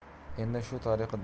endi shu tariqa